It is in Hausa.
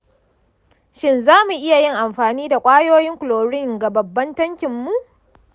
shin za mu iya yin amfani da ƙwayoyin chlorine ga babban tankin mu?